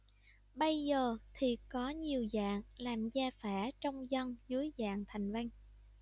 bây giờ thì có nhiều dạng làm gia phả trong dân dưới dạng thành văn